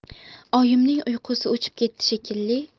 oyimning uyqusi o'chib ketdi shekilli